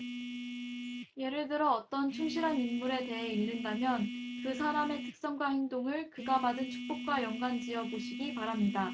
예를 들어 어떤 충실한 인물에 대해 읽는다면 그 사람의 특성과 행동을 그가 받은 축복과 연관 지어 보시기 바랍니다